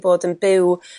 bod yn byw